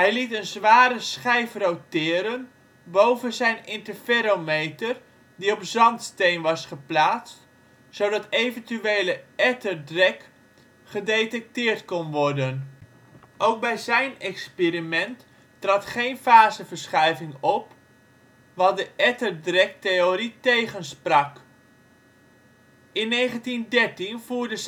liet een zware schijf roteren boven zijn interferometer die op zandsteen was geplaatst, zodat eventuele ether drag gedetecteerd kon worden. Ook bij zijn experiment trad geen faseverschuiving op, wat de ether drag-theorie tegensprak. In 1913 voerde